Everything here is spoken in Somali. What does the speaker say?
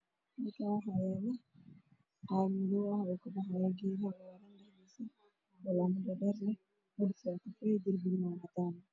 Halkaan waxaa yaalo caag madow ah oo kudhexjiro oo laamo dhaadheer leh midabkiisa waa cadaan